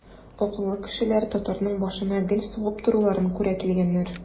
Акыллы кешеләр татарның башына гел сугып торуларын күрә килгәннәр.